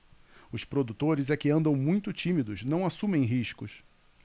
os produtores é que andam muito tímidos não assumem riscos